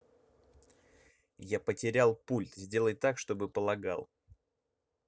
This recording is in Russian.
я потерял пульт сделай так чтобы полагал